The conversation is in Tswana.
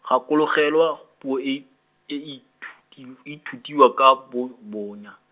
gakologelwa, puo e, e ithu- tilw-, ithutiwa, ka bo- bonya.